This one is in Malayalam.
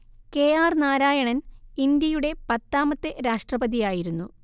കെ ആർ നാരായണൻ ഇന്ത്യയുടെ പത്താമത്തെ രാഷ്ട്രപതിയായിരുന്നു